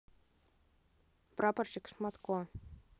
прапорщик шматко